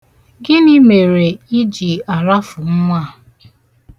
Gịnị mere ị ji arafu nwa a.